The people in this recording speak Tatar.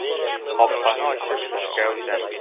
Капканы ачып эчкә үтәм.